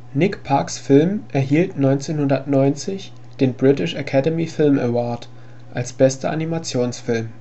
Nick Parks Film erhielt 1990 den British Academy Film Award als bester Animationsfilm